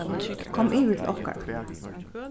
kom yvir til okkara